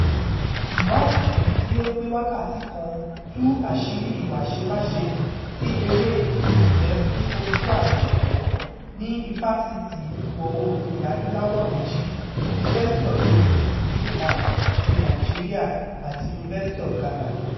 Ìwádìí tí ó pé wákàtí kan tú àṣìírí ìwà àṣemáṣe ti “eré ìfẹ́ fún ojú-àmì ẹ̀kọ́” ní ifásitì Ìwọ̀-oòrùn Ilẹ̀ Adúláwọ̀ méjì: University of Lagos (UNILAG) ti Nàìjíríà àti University of Ghana.